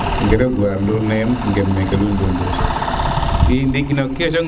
ngoyar ndur ne em gen mene luul ndunuun